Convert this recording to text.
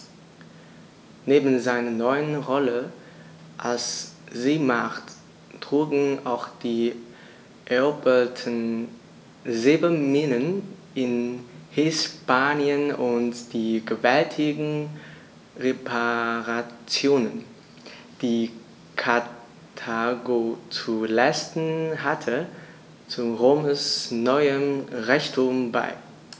Neben seiner neuen Rolle als Seemacht trugen auch die eroberten Silberminen in Hispanien und die gewaltigen Reparationen, die Karthago zu leisten hatte, zu Roms neuem Reichtum bei.